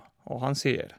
Og han sier: